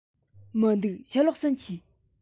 མི འདུག ཕྱི ལོགས སུ མཆིས